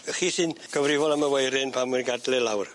Chi sy'n gyfrifol am y weirin pan wi'n gad'el e lawr.